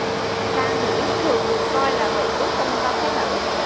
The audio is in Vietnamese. trang điểm thường được coi là vị cứu tinh cho phái nữ